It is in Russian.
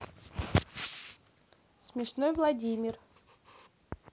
смешной владимир